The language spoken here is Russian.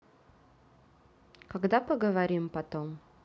когда поговорим потом